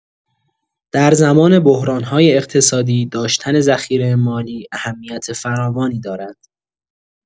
در زمان بحران‌های اقتصادی، داشتن ذخیره مالی اهمیت فراوانی دارد.